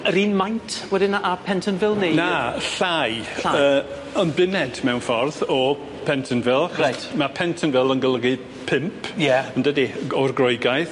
Yr un maint wedyn yy a Pentonville neu... Na, llai. Llai. Yy yn bumed mewn ffordd o Pentonville. Reit. Ma' Pentonville yn golygu pump. Ie. Yndydi? G- o'r Groegaidd.